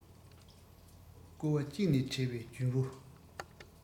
ཀོ བ གཅིག ནས དྲས པའི རྒྱུན བུ